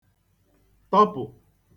tọpụ̀